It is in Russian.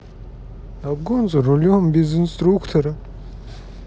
обгон за рулем без инструктора